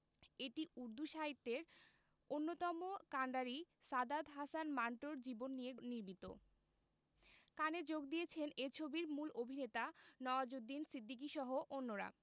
এটি উর্দু সাহিত্যের অন্যতম কান্ডারি সাদাত হাসান মান্টোর জীবন নিয়ে নির্মিত কানে যোগ দিয়েছেন এ ছবির মূল অভিনেতা নওয়াজুদ্দিন সিদ্দিকীসহ অন্যরা